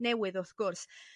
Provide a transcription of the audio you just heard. newydd wrth gwrs